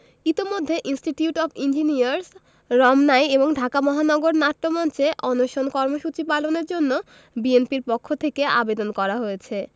ইতোমধ্যে institute of engineers রমনায় এবং ঢাকা মহানগর নাট্যমঞ্চে অনশন কর্মসূচি পালনের জন্য বিএনপির পক্ষ থেকে আবেদন করা হয়েছে